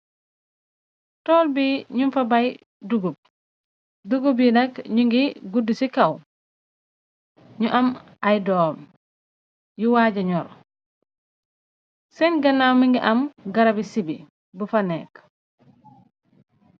Toll bi nyunfa baiy dugum dugum bi nk nyungi gudu ci kaw nyu am aiy dom yu waja nyor sen ganaw mungi am garabi sibi bufa neka.